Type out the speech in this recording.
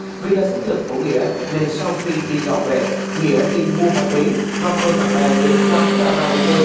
vì là sinh nhật của nghĩa nên sau khi đi nhậu về nghĩa đi mua ma túy và mời bạn bè đến quán ka ra ô kê